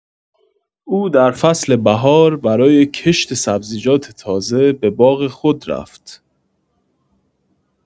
او در فصل بهار برای کشت سبزیجات تازه به باغ خود رفت.